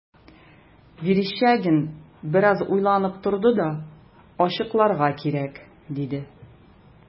Верещагин бераз уйланып торды да: – Ачыкларга кирәк,– диде.